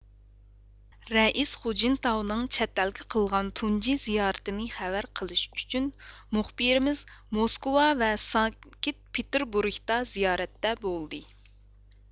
رەئىس خۇجىنتاۋنىڭ چەت ئەلگە قىلغان تۇنجى زىيارىتىنى خەۋەر قىلىش ئۈچۈن مۇخبىرىمىز موسكۋا ۋە سانكىت پىتىربۇرگدا زىيارەتتە بولدى